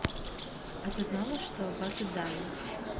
а ты знала что аббат и даня